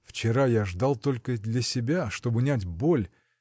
— Вчера я ждал только для себя, чтоб унять боль